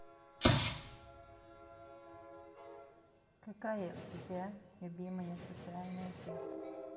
какая у тебя любимая социальная сеть